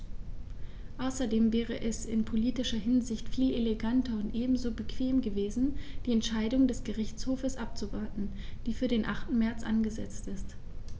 Außerdem wäre es in politischer Hinsicht viel eleganter und ebenso bequem gewesen, die Entscheidung des Gerichtshofs abzuwarten, die für den 8. März angesetzt ist.